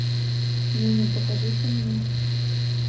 меню покажите мне